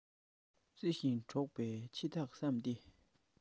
བརྩེ ཞིང འགྲོགས པའི ཕྱི ཐག བསམ སྟེ